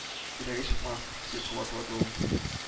— кирәге чыкмас, — дип кабатлады ул